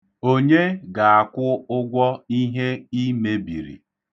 Onye ga-akwụ ụgwọ ihe i mebiri?